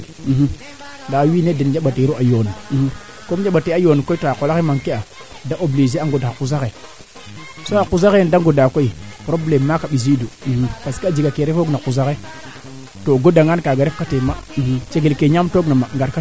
ande a fiya ye andiim meeke sax a jega o ñayole de leyan fana leyan andiim an o gara nga meno xaaga te leyoone zone nene godi meene bo kaa waagoona o goda ngaa kaaga na refka xa qolof o goda nga nga koy o xaana god bon njeg xa qola xeene ndiiki nam nu mbar topatoora den